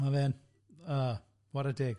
Ma' fe'n, o, waredig.